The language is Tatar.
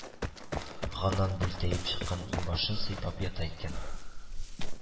Ганнан бүлтәеп чыккан иңбашын сыйпап ята икән